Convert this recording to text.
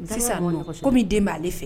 Sisan ko bɛ den b'ale fɛ